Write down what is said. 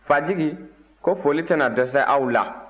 fajigi ko foli tɛna dɛsɛ aw la